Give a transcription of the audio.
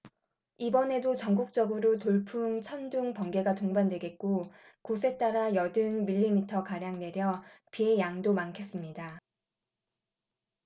이번에도 전국적으로 돌풍 천둥 번개가 동반되겠고 곳에 따라 여든 밀리미터 가량 내려 비의 양도 많겠습니다